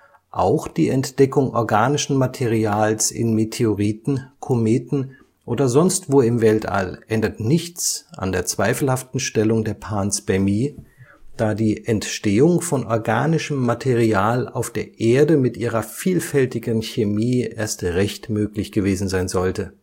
Auch die Entdeckung organischen Materials in Meteoriten, Kometen oder sonstwo im Weltall ändert nichts an der zweifelhaften Stellung der Panspermie, da die Entstehung von organischem Material auf der Erde mit ihrer vielfältigeren Chemie erst recht möglich gewesen sein sollte